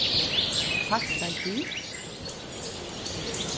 fagragil